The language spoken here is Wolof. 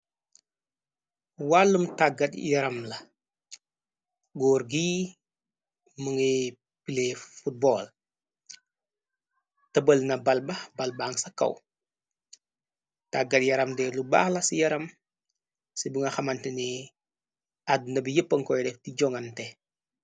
Wàllum tàggat yaram la góor gi më ngay pilee footbol tëbal na balba balbang sa kaw tàggat yaram de lu baaxla ci yaram ci bu nga xamante ni adduna bi yéppankoy def di jogante.